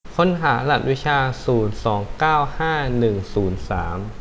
ค้นหารหัสวิชาศูนย์สองเก้าห้าหนึ่งศูนย์สาม